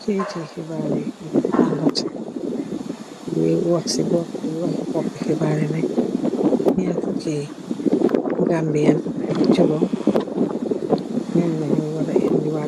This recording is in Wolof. Kayiti xibarr yi di Standard ñi wax ci bópi xibaryi neh, ñénti fukki Gambian ak jurom leñ wara